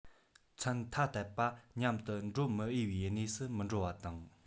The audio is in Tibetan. མཚན ཐ དད པ མཉམ དུ འགྲོ མི འོས པའི གནས སུ མི འགྲོ བ དང